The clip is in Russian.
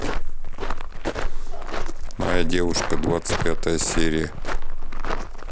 моя девушка двадцать пятая серия